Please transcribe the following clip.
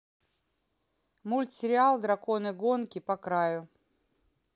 мультсериал драконы гонки по краю